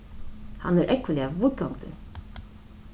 hann er ógvuliga víðgongdur